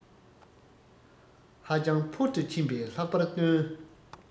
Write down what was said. ཧ ཅང ཕུལ དུ ཕྱིན པས ལྷག པར སྟོན